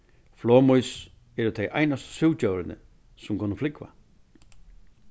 flogmýs eru tey einastu súgdjórini sum kunnu flúgva